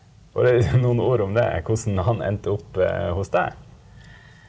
noen ord om det, hvordan han endte opp hos deg?